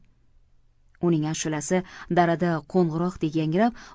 uning ashulasi darada qo'ng'iroqdek yangrab